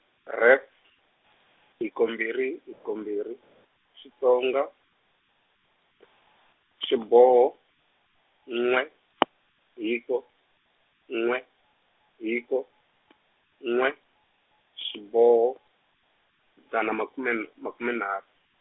Ref , hiko mbhiri hiko mbhiri, Xitsonga, xiboho, n'we hiko n'we hiko n'we xiboho, dzana makume n-, makume nharhu.